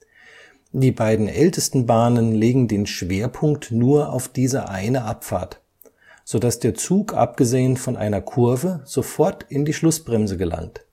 Die beiden ältesten Bahnen legen den Schwerpunkt nur auf diese eine Abfahrt, sodass der Zug abgesehen von einer Kurve sofort in die Schlussbremse gelangt